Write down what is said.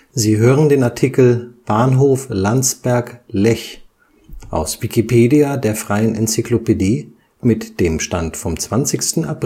Sie hören den Artikel Bahnhof Landsberg (Lech), aus Wikipedia, der freien Enzyklopädie. Mit dem Stand vom Der